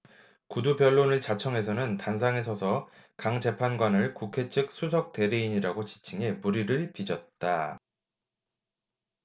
구두변론을 자청해서는 단상에 서서 강 재판관을 국회 측 수석대리인이라고 지칭해 물의를 빚었다